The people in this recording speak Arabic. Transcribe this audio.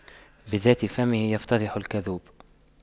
بذات فمه يفتضح الكذوب